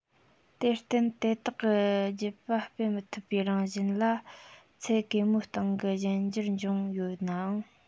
དེར བརྟེན དེ དག གི རྒྱུད པ སྤེལ མི ཐུབ པའི རང བཞིན ལ ཚད གེ མོའི སྟེང གི གཞན འགྱུར བྱུང ཡོད ནའང